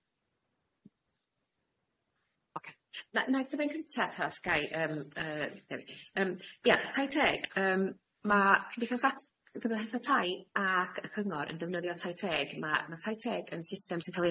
Ocê. Na- na'i ateb yn cynta ta os gai yym yy yym ie tai teg yym ma' cymdeithas at- cymdeithasa tai ac y cyngor yn defnyddio tai teg ma' ma' tai teg yn system sy'n ca'l i